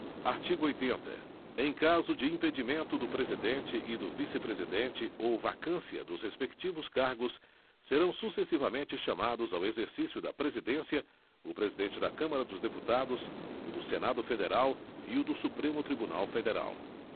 artigo oitenta em caso de impedimento do presidente e do vice presidente ou vacância dos respectivos cargos serão sucessivamente chamados ao exercício da presidência o presidente da câmara dos deputados o do senado federal e o do supremo tribunal federal